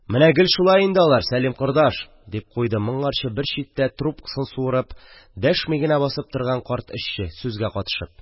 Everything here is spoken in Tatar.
– менә гел шулай инде алар, сәлим кордаш, – дип куйды моңарчы бер читтә трубкасын суырып дәшми генә басып торган карт эшче, сүзгә катышып.